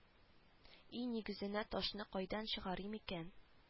Өй нигезенә ташны кайдан чыгарыйм икән